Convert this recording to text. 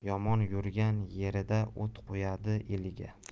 yomon yurgan yerida o't qo'yadi eliga